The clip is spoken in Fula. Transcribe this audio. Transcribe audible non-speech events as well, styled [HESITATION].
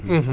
[HESITATION] [HESITATION]